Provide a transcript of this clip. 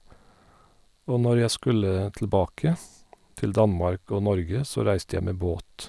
Og når jeg skulle tilbake til Danmark og Norge, så reiste jeg med båt.